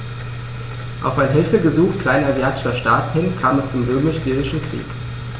Auf ein Hilfegesuch kleinasiatischer Staaten hin kam es zum Römisch-Syrischen Krieg.